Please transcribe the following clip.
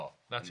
'Na ti.